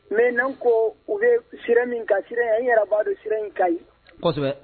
Mɛ n ko u bɛ sira min ka siran an yɛrɛbaa don sira in ka ɲi kosɛbɛ